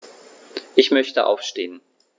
Ich möchte aufstehen.